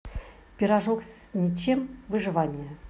пирожок с ничем выживание